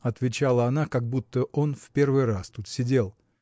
– отвечала она, как будто он в первый раз тут сидел.